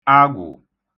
agwụ̀